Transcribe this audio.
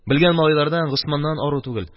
Белгән малайлардан, Госманнан ару түгел